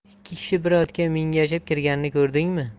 ikki kishi bir otga mingashib kirganini ko'rdingmi